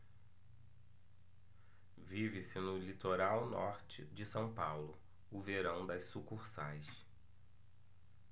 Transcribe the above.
vive-se no litoral norte de são paulo o verão das sucursais